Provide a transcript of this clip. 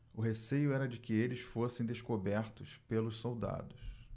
o receio era de que eles fossem descobertos pelos soldados